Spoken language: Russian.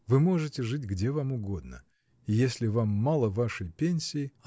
Вы можете жить где вам угодно; и если вам мало вашей пенсии.